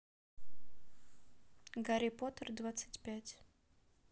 гарри поттер двадцать пять